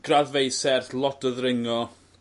graddfeydd serth lot o ddringo